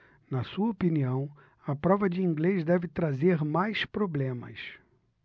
na sua opinião a prova de inglês deve trazer mais problemas